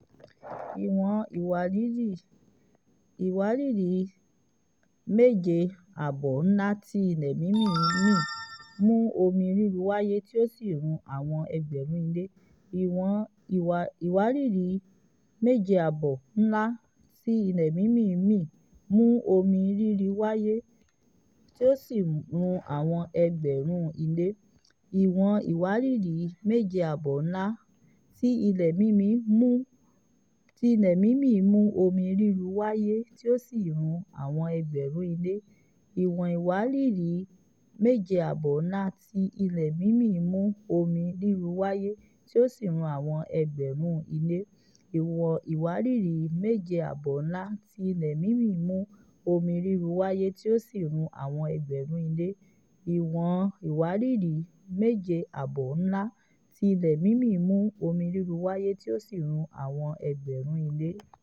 Ìwọ̀n ìwàrìrì 7.5-ńlá tí ilẹ mímì mú omi rírú wáyé tí ó sì run àwọn ẹgbẹrún ilé.